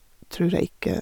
Tror jeg ikke.